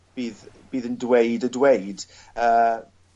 bydd bydd yn dweud y dweud yy